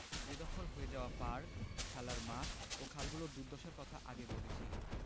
বেদখল হয়ে যাওয়া পার্ক খেলার মাঠ ও খালগুলোর দুর্দশার কথা আগে বলেছি